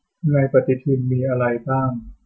ในปฎิทินมีอะไรบ้าง